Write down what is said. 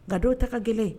Nka dɔw ta gɛlɛn